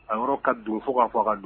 A yɔrɔ ka don fo k'a fɔ a ka don